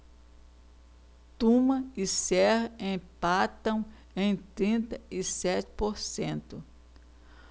tuma e serra empatam em trinta e sete por cento